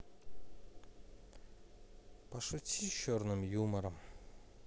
пошути черным юмором